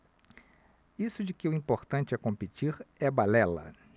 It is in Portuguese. isso de que o importante é competir é balela